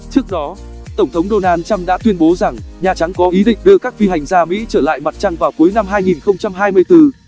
trước đó tổng thống donald trump đã tuyên bố rằng nhà trắng có ý định đưa các phi hành gia mỹ trở lại mặt trăng vào cuối năm